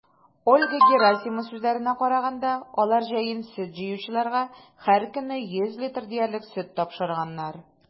Ольга Герасимова сүзләренә караганда, алар җәен сөт җыючыларга һәркөнне 100 литр диярлек сөт тапшырганнар.